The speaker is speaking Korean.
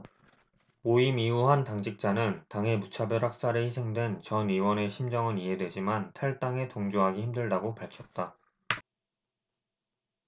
모임 이후 한 당직자는 당의 무차별 학살에 희생된 전 의원의 심정은 이해되지만 탈당에 동조하기 힘들다고 밝혔다